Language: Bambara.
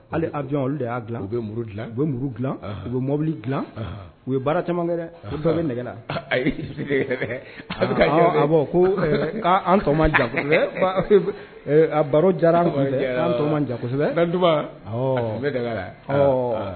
Halibuɔn olu de y'a dila u bɛ dilan u bɛ muru dila u bɛ mɔbili dila u ye baara camankɛ bɛ nɛgɛla a bɛ bɔ ko tɔ jan a baro jara tɔ jasɛbɛduba